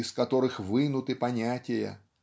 из которых вынуты понятия